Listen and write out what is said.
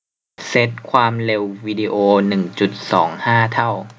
เซ็ตความเร็ววีดีโอหนึ่งจุดสองห้าเท่า